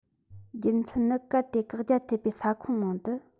རྒྱུ མཚན ནི གལ ཏེ བཀག རྒྱ ཐེབས པའི ས ཁོངས ནང དུ